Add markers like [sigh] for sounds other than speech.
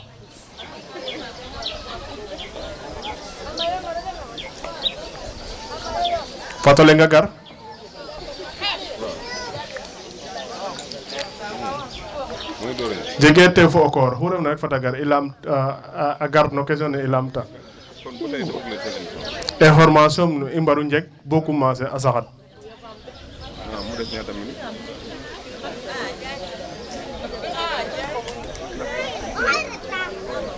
[noise] Fat o leŋ a gar, jegee tew fo o koor oxu refna rek fat a gar i lamta i [hesitation] fat a gar no question ne i laamtan [crosstalk] information num i mbaru njeg bo commencer a saxad ale. [crosstalk]